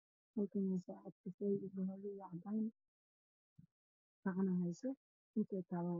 Wa sacad kafe madow iyo cadan ah gacana hayso inti tala